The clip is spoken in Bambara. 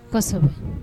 Kosɔ